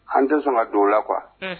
An tɛ saba don la qu